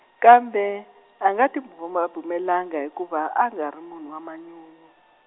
kambe, a nga tibumabumelanga hikuva a nga ri munhu wa manyunyu.